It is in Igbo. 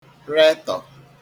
rẹtọ̀